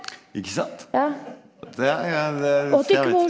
ikke sant, det ja det jeg vet.